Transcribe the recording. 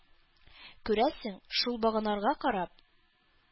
Күрәсең, шул баганаларга карап